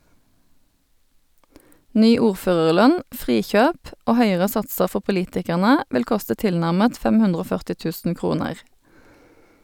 Ny ordførerlønn, frikjøp og høyere satser for politikerne, vil koste tilnærmet 540 000 kroner.